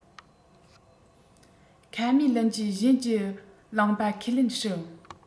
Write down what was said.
ཁ མའེ ལུན གྱིས གཞན གྱིས བླངས པ ཁས ལེན སྲིད